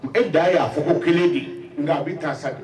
E da ye y'a fɔ ko kelen de ye nka a bɛ taa sa